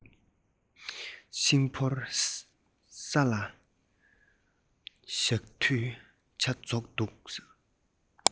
ཤིང ཕོར ས ལ བཞག དུས ཇ རྫོགས འདུག